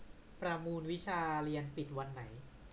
ประมูลวิชาเรียนปิดวันไหน